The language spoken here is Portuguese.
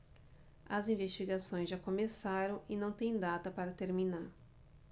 as investigações já começaram e não têm data para terminar